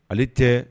Ale tɛ